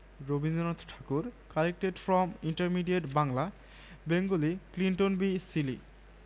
Rabindranath Thakur collected from intermediate Bangla Bengali Clinton B Seely